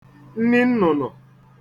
nni nnụnụ